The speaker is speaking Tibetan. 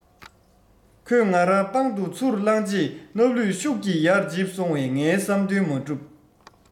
ཁོས ང རང པང དུ ཚུར བླངས རྗེས སྣ ལུད ཤུགས ཀྱིས ཡར འཇིབས སོང བས ངའི བསམ དོན མ གྲུབ